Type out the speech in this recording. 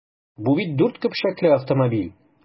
Бу бит дүрт көпчәкле автомобиль!